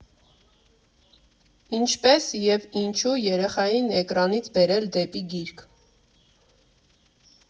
Ինչպե՞ս և ինչո՞ւ երեխային էկրանից բերել դեպի գիրք։